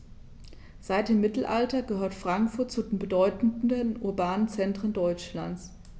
Seit dem Mittelalter gehört Frankfurt zu den bedeutenden urbanen Zentren Deutschlands.